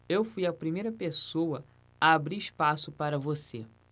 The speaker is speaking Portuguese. eu fui a primeira pessoa a abrir espaço para você